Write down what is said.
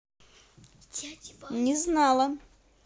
не знала